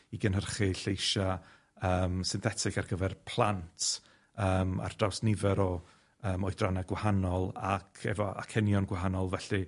i gynhyrchu lleisia yym synthetic ar gyfer plant yym ar draws nifer o yym oedranna gwahanol ac efo acenion gwahanol felly